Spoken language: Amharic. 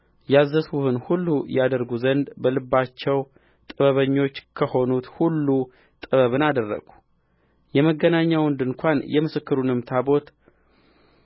ያዘዝሁህን ሁሉ ያደርጉ ዘንድ በልባቸው ጥበበኞች በሆኑት ሁሉ ጥበብን አኖርሁ የመገናኛውን ድንኳን የምስክሩንም ታቦት